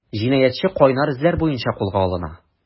Җинаятьче “кайнар эзләр” буенча кулга алына.